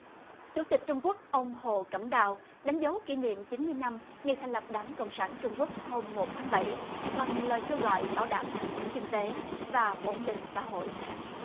chủ tịch trung quốc ông hồ cẩm đào đánh dấu kỷ niệm chín mươi năm ngày thành lập đảng cộng sản trung quốc hôm một tháng bảy bằng lời kêu gọi bảo đảm tăng trưởng kinh tế và ổn định xã hội